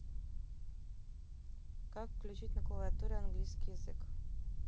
как включить на клавиатуре английский язык